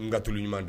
N katuluɲuman di